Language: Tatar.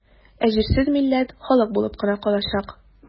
Ә җирсез милләт халык булып кына калачак.